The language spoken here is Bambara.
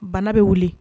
Bana bɛ wuli